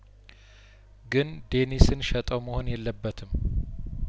ግን ዴኒስን ሸጠው መሆን የለበትም